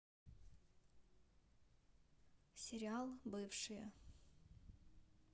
сериал бывшие